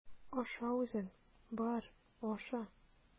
Аша үзең, бар, аша!